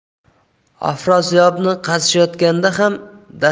afrosiyobni qazishayotganda ham dastlab